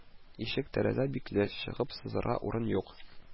Ишек-тәрәзә бикле, чыгып сызарга урын юк